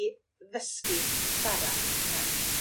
i ddysgu siarad Cymraeg?